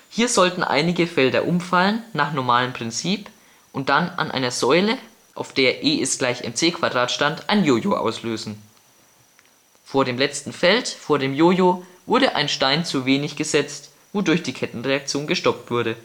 Hier sollten einige Felder umfallen nach normalen Prinzip und dann an einer Säule auf der E = mc² stand ein Jojo auslösen. Vor dem letzten Feld vor dem Jojo wurde ein Stein zu wenig gesetzt wodurch die Kettenreaktion gestoppt wurde